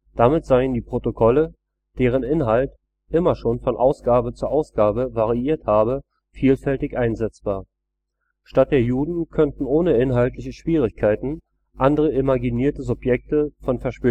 Damit seien die Protokolle, deren Inhalt immer schon von Ausgabe zu Ausgabe variiert habe, vielfältig einsetzbar: Statt der Juden könnten ohne inhaltliche Schwierigkeiten andere imaginierte Subjekte von Verschwörungstheorien